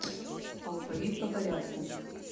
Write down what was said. алфавит по порядку